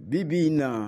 Bi b'i na